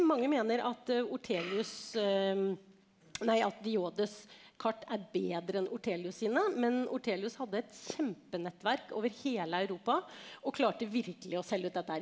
mange mener at Ortelius nei at de Jodes kart er bedre enn Ortelius sine, men Ortelius hadde et kjempenettverk over hele Europa og klarte virkelig å selge ut dette her.